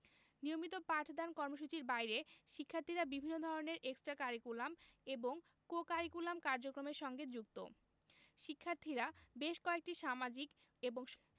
নিয়মিত পাঠদান কর্মসূচির বাইরে শিক্ষার্থীরা বিভিন্ন ধরনের এক্সটা কারিকুলাম এবং কো কারিকুলাম কার্যক্রমরে সঙ্গে যুক্ত শিক্ষার্থীরা বেশ কয়েকটি সামাজিক এবং